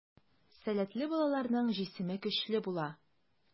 Сәләтле балаларның җисеме көчле була.